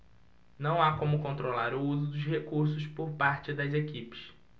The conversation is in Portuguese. não há como controlar o uso dos recursos por parte das equipes